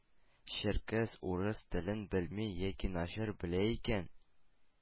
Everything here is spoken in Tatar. Черкес урыс телен белми яки начар белә икән,